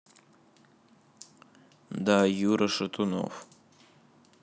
да юра шатунов